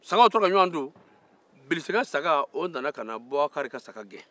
u tora ka ɲɔgɔn tun bilisi ka saga o nana ka na bukari ka saga gɛn